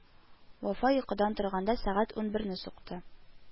Вафа йокыдан торганда, сәгать унберне сукты